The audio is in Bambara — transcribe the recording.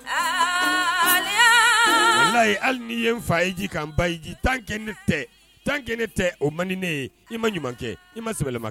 Aa ale hali nii ye n fa yeji k bayiji tan kɛ ne tɛ tan kɛ ne tɛ o man ni ne ye i ma ɲuman kɛ i ma sɛbɛnbɛ